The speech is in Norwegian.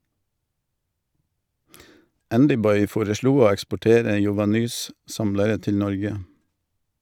Andyboy foreslo å eksportere Yovanys samlere til Norge.